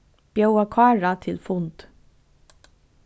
bjóða kára til fund